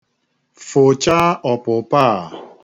Fụchaa ọpụpa a!